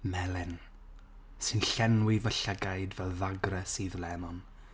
Melyn sy'n llenwi fy llygaid fel ddagre sudd lemon,